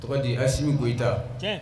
Tɔgɔ de ye Asimi Goyita, tiɲɛ